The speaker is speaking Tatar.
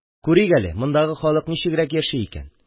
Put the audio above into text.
Күрик әле, мондагы халык ничегрәк яши икән?